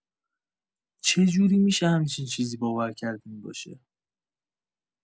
چجوری می‌شه همچین چیزی باورکردنی باشه؟